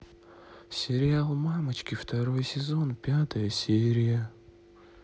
сериал мамочки второй сезон пятая серия